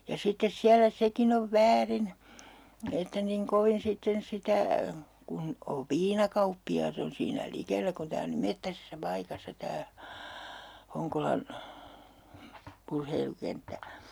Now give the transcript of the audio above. ja sitten siellä sekin on väärin että niin kovin sitten sitä kun on viinakauppiaat on siinä likellä kun tämä on niin metsäisessä paikassa tämä Honkolan urheilukenttä